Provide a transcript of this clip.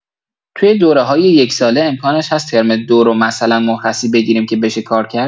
توی دوره‌های یک‌ساله امکانش هست ترم ۲ رو مثلا مرخصی بگیریم که بشه کار کرد؟